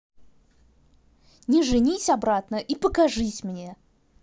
не женись обратно и покажись мне